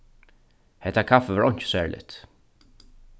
hetta kaffið var einki serligt